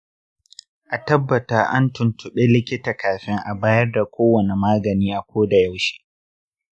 a tabbata an tuntuɓi likita kafin a bayar da kowane magani a koda yaushe.